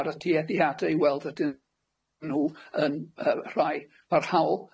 ar y tuediade i weld ydyn nw yn yy rhai parhaol.